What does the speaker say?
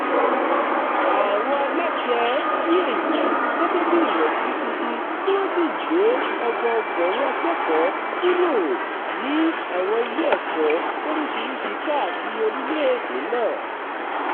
Àwọn aláṣẹ rí èyí gẹ́gẹ́ bí ìwọ̀sí gidi tí wọ́n sì lé ọgọọgọ̀rún akẹ́kọ̀ọ́ kúrò ní àwọn ilé ẹ̀kọ́ lóríṣìíríṣi káàkiri orílẹ̀-èdè náà.